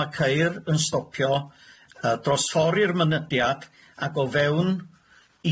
ma' ceir yn stopio y- dros ffor i'r mynydiad, ag o fewn ugian